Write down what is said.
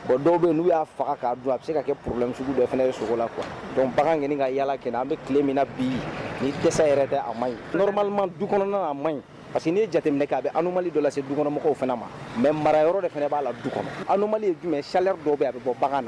Bon dɔw yen n'u y'a faga k'a don a bɛ se ka kɛ porolɛjugu bɛɛ fana ye sogo la kuwa dɔn bagan ɲini ka yala kɛ an bɛ tile min na bi ni yɛrɛ da a ma ɲimalima du kɔnɔ a ma ɲi parce que n'i jateminɛ k' a bɛ don lase se dukɔnɔmɔgɔw fana ma mɛ mara yɔrɔ de fana b'a du kɔnɔ jumɛn sa dɔw bɛ a bɛ bɔ bagan na